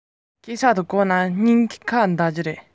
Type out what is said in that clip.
ང དང ང འདྲ བའི ཞི མི དག ལ